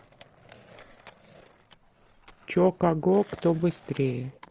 че кого кто быстрее